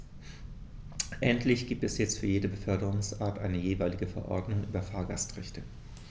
Endlich gibt es jetzt für jede Beförderungsart eine jeweilige Verordnung über Fahrgastrechte.